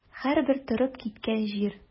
Һәрбер торып киткән җир.